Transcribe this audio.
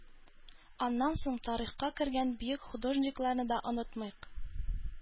Аннан соң тарихка кергән бөек художникларны да онытмыйк.